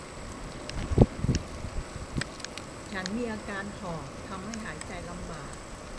ฉันมีอาการหอบทำให้หายใจลำบาก